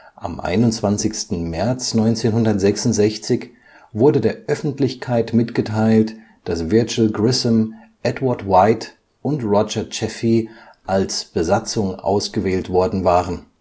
Am 21. März 1966 wurde der Öffentlichkeit mitgeteilt, dass Virgil Grissom, Edward White und Roger Chaffee als Besatzung ausgewählt worden waren